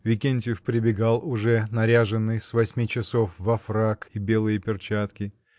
Викентьев прибегал уже, наряженный с осьми часов во фрак и белые перчатки.